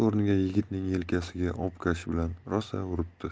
obkash bilan rosa uribdi